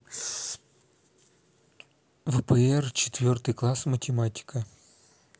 впр четвертый класс математика